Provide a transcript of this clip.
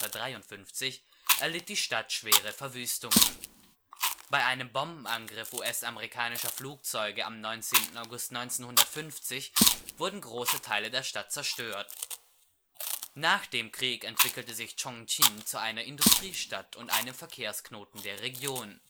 1953) erlitt die Stadt schwere Verwüstungen. Bei einem Bombenangriff US-amerikanischer Flugzeuge am 19. August 1950 wurden große Teile der Stadt zerstört. Nach dem Krieg entwickelte sich Ch’ ŏngjin zu einer Industriestadt und einem Verkehrsknoten der Region